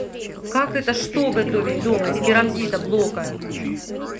как это что готовить дома из керамзита блока